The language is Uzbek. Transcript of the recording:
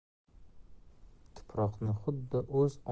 tuproqni xuddi o'z